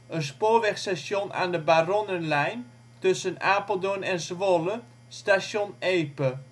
een spoorwegstation aan de Baronnenlijn tussen Apeldoorn en Zwolle, Station Epe